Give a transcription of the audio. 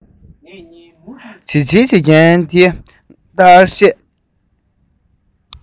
བྱིལ བྱིལ བྱེད ཀྱིན འདི ལྟར བཤད